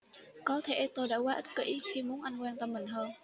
có thể tôi đã quá ích kỷ khi muốn anh quan tâm mình hơn